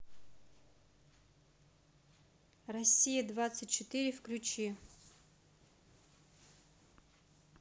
россия двадцать четыре включи